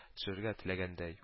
Төшерергә теләгәндәй